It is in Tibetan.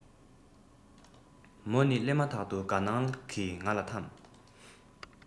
མོ ནི སླེབ མ ཐག ཏུ དགའ སྣང གི ང ལ ཐམས